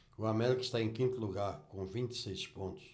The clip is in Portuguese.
o américa está em quinto lugar com vinte e seis pontos